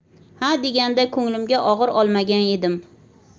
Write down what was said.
hadeganda ko'nglimga og'ir olmagan edim